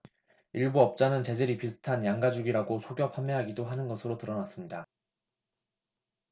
일부 업자는 재질이 비슷한 양 가죽이라고 속여 판매하기도 하는 것으로 드러났습니다